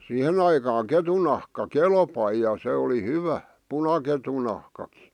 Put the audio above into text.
siihen aikaan ketun nahka kelpasi ja se oli hyvä punaketun nahkakin